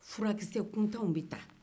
furakisɛ kuntanw bɛ ta